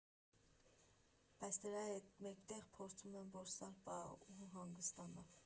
Բայց դրա հետ մեկտեղ փորձում եմ որսալ պահը ու հանգստանալ։